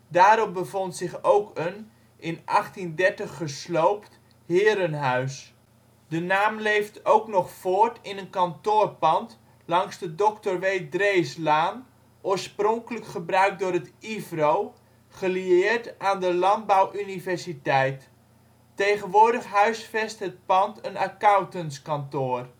Daarop bevond zich ook een, in 1830 gesloopt, herenhuis. De naam leeft ook nog voort in een kantoorpand langs de Dr. W. Dreeslaan, oorspronkelijk gebruikt door het IVRO (Instituut voor rassenonderzoek), gelieerd aan de Landbouwuniversiteit. Tegenwoordig huisvest het pand een accountantskantoor